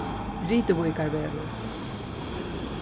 rituvíkarvegur